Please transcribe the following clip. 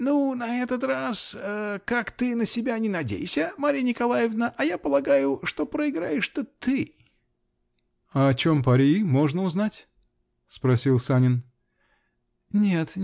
-- Ну, на этот раз, как ты на себя ни надейся, Марья Николаевна, а я полагаю, что проиграешь-то ты. -- О чем пари? Можно узнать? -- спросил Санин. -- Нет.